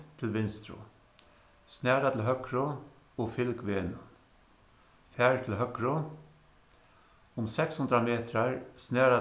til vinstru snara til høgru og fylg vegnum far til høgru um seks hundrað metrar snara